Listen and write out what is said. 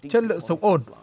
chất lượng sống ổn